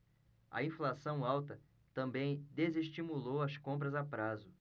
a inflação alta também desestimulou as compras a prazo